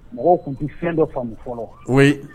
Mɔgɔw tun tɛ fɛn dɔ faamu fɔlɔ o